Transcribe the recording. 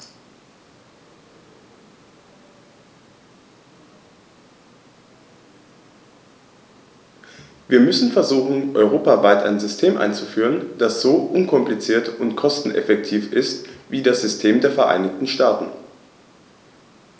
Wir müssen versuchen, europaweit ein System einzuführen, das so unkompliziert und kosteneffektiv ist wie das System der Vereinigten Staaten.